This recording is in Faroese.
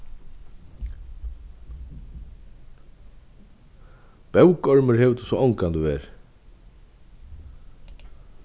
bókormur hevur tú so ongantíð verið